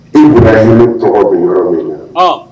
I bɔra ɲini tɔgɔ bɛ yɔrɔ min na